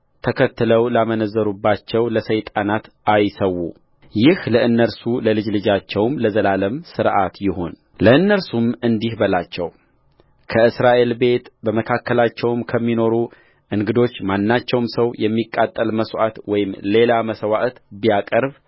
ተከትለው ላመነዘሩባቸው ለሰይጣናት አይሠዉ ይህ ለእነርሱ ለልጅ ልጃቸው ለዘላለም ሥርዓት ይሁንለእነርሱም እንዲህ በላቸው ከእስራኤል ቤት በመካከላቸውም ከሚኖሩ እንግዶች ማናቸውም ሰው የሚቃጠል መሥዋዕት ወይም ሌላ መሥዋዕት ቢያቀርብ